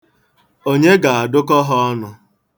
Onye ga-adụkọ ha ọnụ?